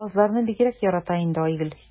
Казларны бигрәк ярата инде Айгөл.